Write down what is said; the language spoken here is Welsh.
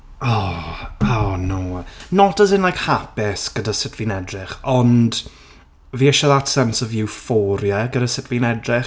O! Oh no. Not as in like hapus gyda sut fi'n edrych, ond fi isie that sense of euphoria gyda sut fi'n edrych.